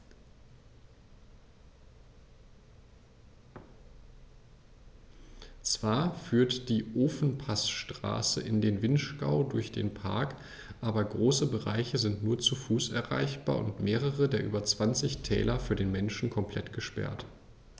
Zwar führt die Ofenpassstraße in den Vinschgau durch den Park, aber große Bereiche sind nur zu Fuß erreichbar und mehrere der über 20 Täler für den Menschen komplett gesperrt.